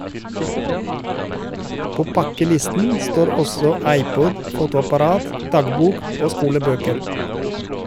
På pakkelisten står også iPod, fotoapparat, dagbok - og skolebøker.